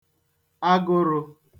agụrụ̄